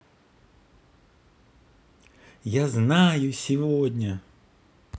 я знаю сегодня